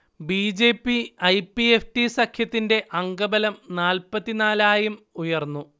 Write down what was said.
B. J. P. - I. P. FT. സഖ്യത്തിന്റെ അംഗബലം നാല്പത്തിനാലായും ഉയർന്നു